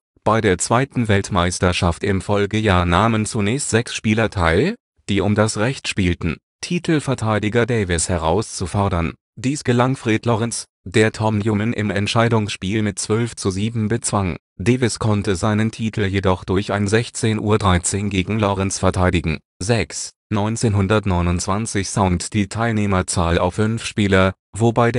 Bei der zweiten Weltmeisterschaft im Folgejahr nahmen zunächst sechs Spieler teil, die um das Recht spielten, Titelverteidiger Davis herauszufordern. Dies gelang Fred Lawrence, der Tom Newman im Entscheidungsspiel mit 12:7 bezwang. Davis konnte seinen Titel jedoch durch ein 16:13 gegen Lawrence verteidigen. 1929 sank die Teilnehmerzahl auf fünf Spieler, wobei